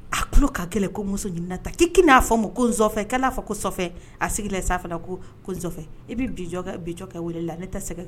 A tulo ka kɛlɛ ko muso ɲini ta k' n'a fɔ ma kofɛ''a fɔ kofɛ a sigi sanfɛ ko kofɛ i bɛ bi jɔ ka wele la ne tɛ sɛgɛ